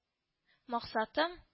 Максатым